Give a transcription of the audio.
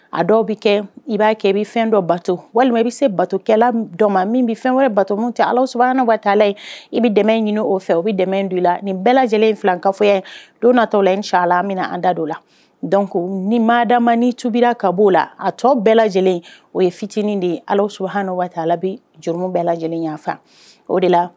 A dɔw bɛ kɛ i b'a kɛ i bɛ fɛn dɔ bato walima i bɛ se batokɛla dɔ ma min bɛ fɛn wɛrɛ bato min tɛ ala sutala i bɛ dɛmɛ ɲini o fɛ o bɛ dɛ don i la nin bɛɛ lajɛlen filan ka fɔya don natɔ la n ci la min na an da dɔ la dɔn ni madamani ni tubi ka bɔ oo la a tɔ bɛɛ lajɛlen o ye fitinin de ye ala su hala bɛ juruw bɛɛ lajɛlen yanfan o de la